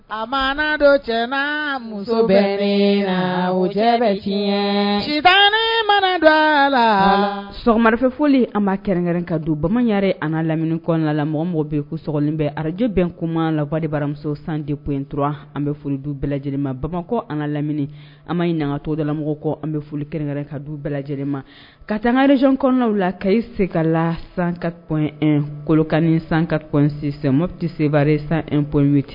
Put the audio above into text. A ma don cɛ muso bɛ la o tiɲɛ si mara dɔ a la sma fɛoli anba kɛrɛnkɛrɛn ka don bamanankɛ an ka lamini kɔnɔna la mɔgɔ mɔgɔ bɛ ko sogoɔni bɛ arajobɛn kuma la waati baramuso san de dɔrɔn an bɛ foli du bɛɛ lajɛlenma bamakɔ an ka lamini an ma ye nakatɔdalamɔgɔ kɔ an bɛ foli kɛrɛnkɛrɛn ka du bɛɛ lajɛlenma ka taagarezy kɔnɔna la ka i se ka la san ka kɔlɔkan san ka kɔnsi mo tɛ sebaare sanp ye kɛ